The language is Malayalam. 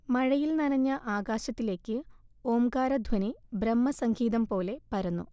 മഴയിൽ നനഞ്ഞ ആകാശത്തിലേക്ക് ഓംകാരധ്വനി ബ്രഹ്മസംഗീതംപോലെ പരന്നു